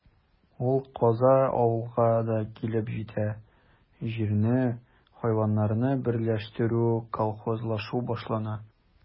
Ул каза авылга да килеп җитә: җирне, хайваннарны берләштерү, колхозлашу башлана.